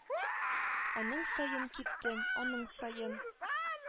Аның саен киптем, аның саен